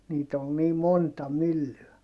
niitä oli niin monta myllyä